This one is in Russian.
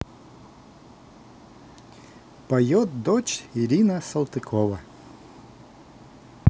поет дочь ирина салтыкова